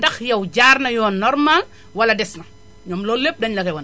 ndax yow jaar na yoon normal wala des na ñoom loolu lépp dañu la koy wan